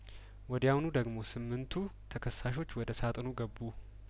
ወዲያውኑ ደግሞ ስምንቱ ተከሳሾች ወደ ሳጥን ገቡ